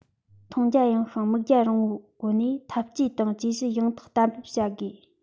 མཐོང རྒྱ ཡངས ཤིང མིག རྒྱང རིང བོའི སྒོ ནས འཐབ ཇུས དང ཇུས གཞི ཡང དག གཏན འབེབས བྱ དགོས